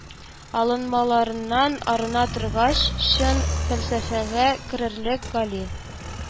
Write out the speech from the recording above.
Алынмаларыннан арына торгач, чын фәлсәфәгә керерлек, «гали